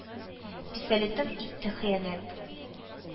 Пистолетым итте хыянәт!